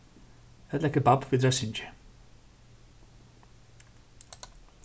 ella kebabb við dressingi